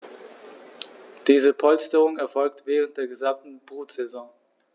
Diese Polsterung erfolgt während der gesamten Brutsaison.